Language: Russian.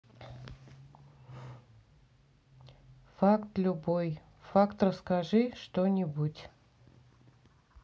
факт любой факт расскажи что нибудь